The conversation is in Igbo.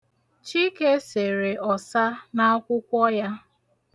Chike sere ọsa n'akwụkwọ ya.